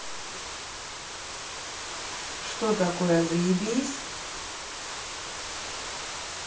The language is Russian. что такое заебись